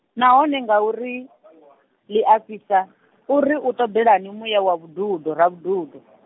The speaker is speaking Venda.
nahone ngauri, ḽi a fhisa, uri u ṱoḓelani muya wa vhududo Ravhududo?